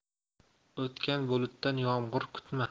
o'tgan bulutdan yomg'ir kutma